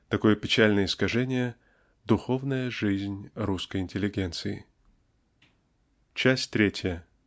Такое печальное искажение -- духовная жизнь русской интеллигенции. Часть третья.